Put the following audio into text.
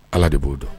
Ala de b'o dɔn